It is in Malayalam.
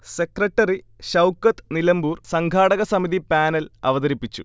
സെക്രട്ടറി ഷൗക്കത്ത് നിലമ്പൂർ സംഘാടക സമിതി പാനൽ അവതരിപ്പിച്ചു